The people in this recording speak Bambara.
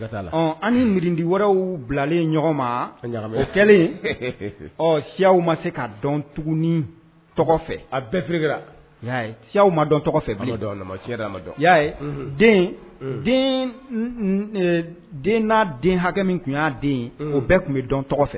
An miiridi wɛrɛw bilalen ɲɔgɔn ma kɛlen si ma se ka dɔn tuguni fɛ a bɛɛa si ma dɔna den den n'a den hakɛ min tun y'a den o bɛɛ tun bɛ dɔn fɛ